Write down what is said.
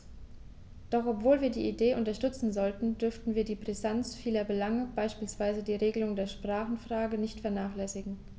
Doch obwohl wir die Idee unterstützen sollten, dürfen wir die Brisanz vieler Belange, beispielsweise die Regelung der Sprachenfrage, nicht vernachlässigen.